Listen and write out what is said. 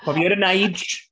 Have you heard of Nige?